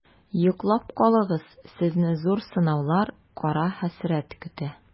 Йоклап калыгыз, сезне зур сынаулар, кара хәсрәт көтә.